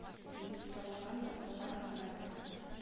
Министрлыгын матбугат хезмәте